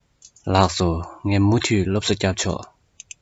ལགས སོ ངས མུ མཐུད སློབ གསོ རྒྱབ ཆོག